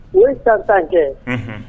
U ye san 10 kɛ unhun